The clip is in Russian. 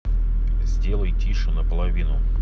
сделать тише наполовину